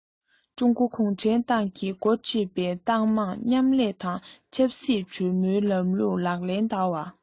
ཀྲུང གོ གུང ཁྲན ཏང གིས འགོ ཁྲིད པའི ཏང མང མཉམ ལས དང ཆབ སྲིད གྲོས མོལ ལམ ལུགས ལག ལེན བསྟར བ